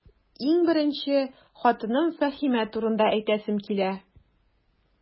Иң беренче, хатыным Фәһимә турында әйтәсем килә.